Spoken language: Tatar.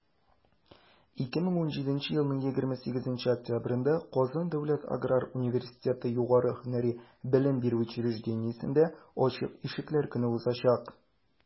2017 елның 28 октябрендә «казан дәүләт аграр университеты» югары һөнәри белем бирү фдбмусендә ачык ишекләр көне узачак.